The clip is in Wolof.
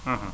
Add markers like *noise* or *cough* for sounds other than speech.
*hesitation* *hesitation*